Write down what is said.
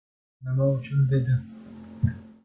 nima uchun dedi